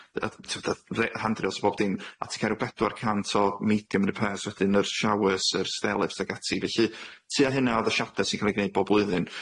yy t'wod yy dde- handrails a bob dim, a ti'n ca'l ryw bedwar cant o medium repairs wedyn, yr showers, yr stairlifts ag ati. Felly tua hynna o addasiade sy'n ca'l 'i gneud bob blwyddyn.